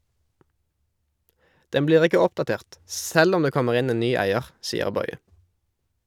Den blir ikke oppdatert, selv om det kommer inn en ny eier, sier Boye.